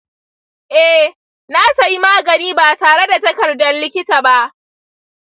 eh, na sayi magani ba tare da takardar likita ba.